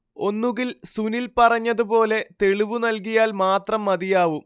ഒന്നുകില്‍ സുനില്‍ പറഞ്ഞതുപോലെ തെളിവു നല്‍കിയാല്‍ മാത്രം മതിയാവും